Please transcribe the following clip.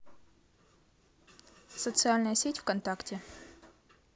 социальная сеть вконтакте